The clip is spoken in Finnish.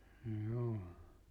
joo